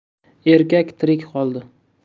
erkak tirik qoldi